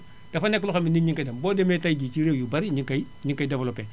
dafa nekk loo xam ne nii nit éni énu ngi koy def boo demee tey jii ci réew yu bari ñu ngi koy ñu ngi koy développé